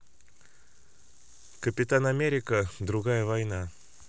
капитан америка другая война